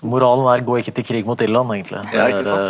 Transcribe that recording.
moralen er gå ikke til krig mot Irland egentlig .